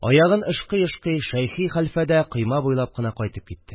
Аягын ышкый-ышкый Шәйхи хәлфә койма буйлап кына кайтып китте